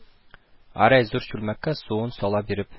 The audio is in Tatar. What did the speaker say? Гәрәй зур чүлмәккә суын сала биреп: